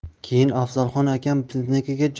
keyin afzalxon akam biznikiga